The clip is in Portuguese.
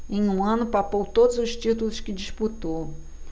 em um ano papou todos os títulos que disputou